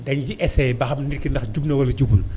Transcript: day essayé ba xam nit ki ndax jub na wala jubul